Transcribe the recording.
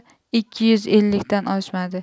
ikkinchisi ikki yuz ellikdan oshmadi